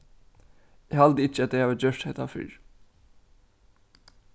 eg haldi ikki at tey hava gjørt hetta fyrr